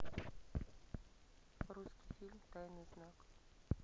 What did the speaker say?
русский фильм тайный знак